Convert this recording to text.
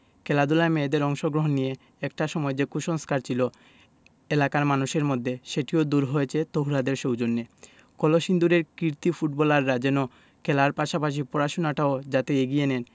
খেলাধুলায় মেয়েদের অংশগ্রহণ নিয়ে একটা সময় যে কুসংস্কার ছিল এলাকার মানুষের মধ্যে সেটিও দূর হয়েছে তহুরাদের সৌজন্যে কলসিন্দুরের কৃতী ফুটবলাররা যেন খেলার পাশাপাশি পড়াশোনাটাও যাতে এগিয়ে নেন